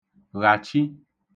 -ghàchi